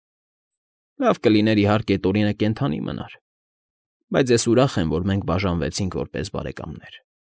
Լավ կլիներ, իհարկե, Տորինը կենդանի մնար, բայց ես ուրախ եմ, որ մենք բաժանվեցինք որպես բարեկամներ։